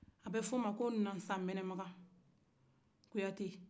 a bɛ fɔ o ma ko nansamɛlɛmakan